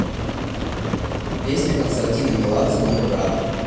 песня константина меладзе мой брат